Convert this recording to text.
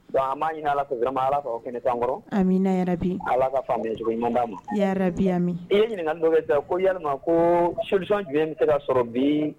Wa a ma ɲini ala kora ma ala ka aw kɛnɛtan kɔrɔ an na yɛrɛ bi ala ka fan jugu ɲuman ma yɛrɛ biyami e ye ɲininkaka dɔ bɛ da ko ya ko sodisɔn jumɛn tɛ sɔrɔ bi